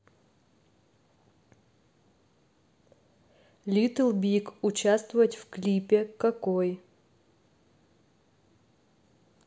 little big участвовать в клипе какой